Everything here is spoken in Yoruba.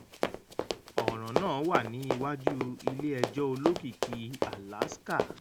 Ọ̀ràn náà wà ní iwájú ilé ẹjọ Olókìkí Alaska.